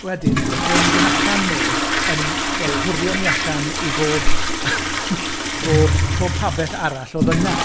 Wedyn dechreuon ni fynd allan mwy yn, wel, hwrio ni allan i bob bob pob pabell arall oedd yna.